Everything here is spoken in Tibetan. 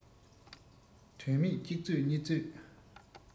དོན མེད གཅིག རྩོད གཉིས རྩོད